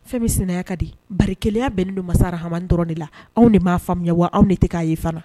Fɛn min sinaya ka di bari kelenya bɛnnen don Mansa Arahamani dɔrɔn de la anw, de m'a faamuya wa anw de tɛ k'a ye fana